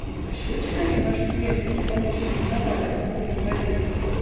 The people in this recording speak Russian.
-- Не пощечина ли, ваше сиятельство, полученная им на бале от какого-то повесы?